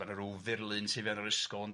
ma' 'na ryw furlun tu mewn yr ysgol yn darlunio